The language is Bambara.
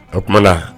O tuma na